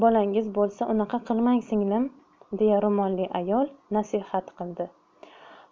bolangiz bo'lsa unaqa qilmang singlim deya ro'molli ayol nasihat qildi